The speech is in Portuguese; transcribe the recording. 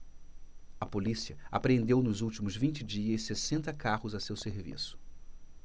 a polícia apreendeu nos últimos vinte dias sessenta carros a seu serviço